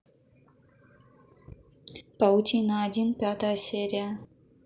паутина один пятая серия